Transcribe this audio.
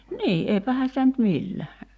niin eipähän sitä nyt millä